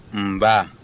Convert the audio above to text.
nba